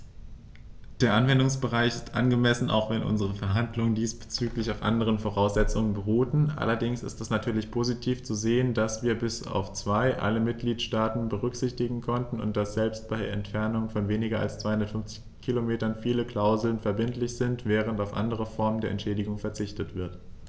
Der Anwendungsbereich ist angemessen, auch wenn unsere Verhandlungen diesbezüglich auf anderen Voraussetzungen beruhten, allerdings ist es natürlich positiv zu sehen, dass wir bis auf zwei alle Mitgliedstaaten berücksichtigen konnten, und dass selbst bei Entfernungen von weniger als 250 km viele Klauseln verbindlich sind, während auf andere Formen der Entschädigung verzichtet wird.